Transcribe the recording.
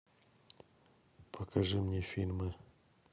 покажи мне фильмы